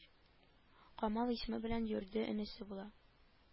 Камал исеме белән йөрде энесе була